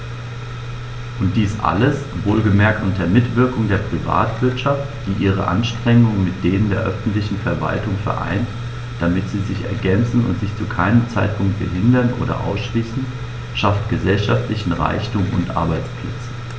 Und dies alles - wohlgemerkt unter Mitwirkung der Privatwirtschaft, die ihre Anstrengungen mit denen der öffentlichen Verwaltungen vereint, damit sie sich ergänzen und sich zu keinem Zeitpunkt behindern oder ausschließen schafft gesellschaftlichen Reichtum und Arbeitsplätze.